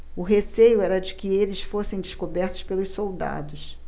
o receio era de que eles fossem descobertos pelos soldados